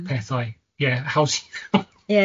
pethau. Ie, haws... Ie.